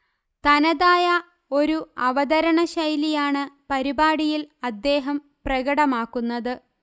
തനതായ ഒരു അവതരണ ശൈലിയാണ് പരിപാടിയിൽ അദ്ദേഹം പ്രകടമാക്കുന്നത്